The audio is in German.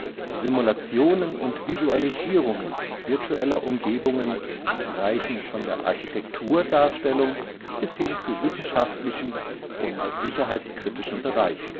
Simulationen und Visualisierungen virtueller Umgebungen reichen von der Architekturdarstellung bis hin zu wissenschaftlichen und sicherheitskritischen Bereichen